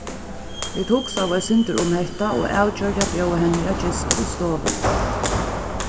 vit hugsaðu eitt sindur um hetta og avgjørdu at bjóða henni at gista í stovuni